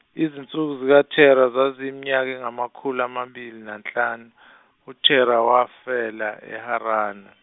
izinsuku zikaThera zaziyiminyaka engamakhulu amabili nanhlanu, uThera wafela eHarana.